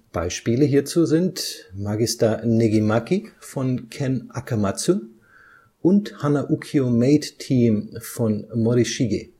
Beispiele hierzu sind Magister Negi Magi von Ken Akamatsu und Hanaukyo Maid Team von Morishige